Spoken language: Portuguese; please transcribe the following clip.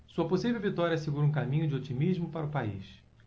sua possível vitória assegura um caminho de otimismo para o país